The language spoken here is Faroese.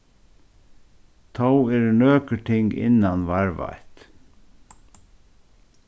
tó eru nøkur ting innan varðveitt